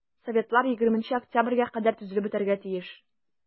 Советлар 20 октябрьгә кадәр төзелеп бетәргә тиеш.